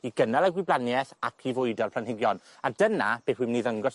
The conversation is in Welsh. i gynnal a gwlybanieth, ac i fwydo'r planhigion. A dyna beth wi myn' i ddangos